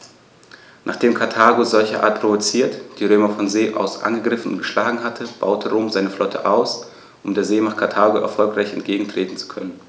Nachdem Karthago, solcherart provoziert, die Römer von See aus angegriffen und geschlagen hatte, baute Rom seine Flotte aus, um der Seemacht Karthago erfolgreich entgegentreten zu können.